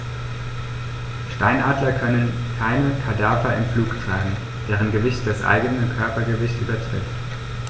Steinadler können keine Kadaver im Flug tragen, deren Gewicht das eigene Körpergewicht übertrifft.